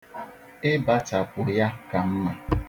Ịbachapu ya kacha mma.